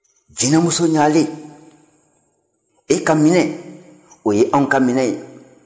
jinɛmuso ɲagalen e ka minɛ o ye anw ka minɛ ye